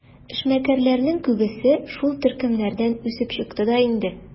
Эшмәкәрләрнең күбесе шул төркемнәрдән үсеп чыкты да инде.